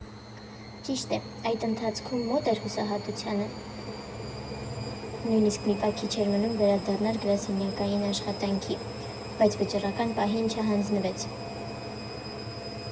Ճիշտ է, այդ ընթացքում մոտ էր հուսահատությանը, նույնիսկ մի պահ քիչ էր մնում վերադառնար գրասենյակային աշխատանքի, բայց վճռական պահին չհանձվեց։